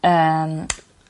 yym